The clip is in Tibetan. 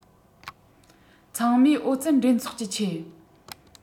ཚང མས ཨོ རྩལ འགྲན ཚོགས ཀྱི ཆེད